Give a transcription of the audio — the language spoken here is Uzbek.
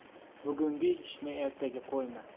bugungi ishni ertaga qo'yma